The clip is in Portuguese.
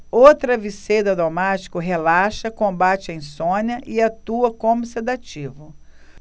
o travesseiro aromático relaxa combate a insônia e atua como sedativo